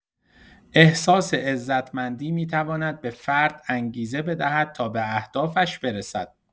احساس عزتمندی می‌تواند به فرد انگیزه بدهد تا به اهدافش برسد.